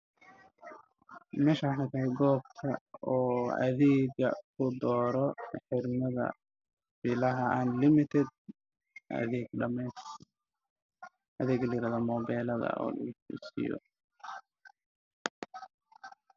Meeshaan waxay tahay goobta oo adeega dooro xirmada ilaha an limited adeega moobile lada oo dhamays tiran